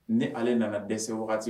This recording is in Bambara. Ni ale nana dɛsɛ wagati